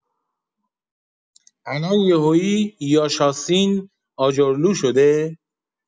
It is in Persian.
الان یهویی یاشاسین آجرلو شده!